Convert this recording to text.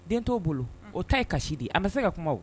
Den t' bolo o ta ye kasi di an bɛ se ka kuma